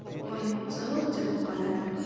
oyim uzoq jimib qoladi